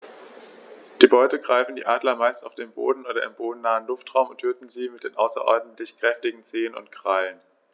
Die Beute greifen die Adler meist auf dem Boden oder im bodennahen Luftraum und töten sie mit den außerordentlich kräftigen Zehen und Krallen.